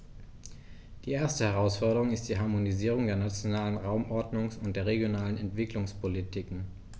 Die erste Herausforderung ist die Harmonisierung der nationalen Raumordnungs- und der regionalen Entwicklungspolitiken.